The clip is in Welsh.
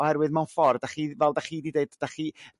Oherwydd mewn ffor' dach chi... Fel dach chi 'di deud dach chi